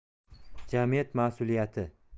jamiyat mas'uliyati